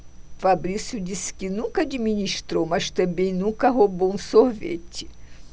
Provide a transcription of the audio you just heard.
fabrício disse que nunca administrou mas também nunca roubou um sorvete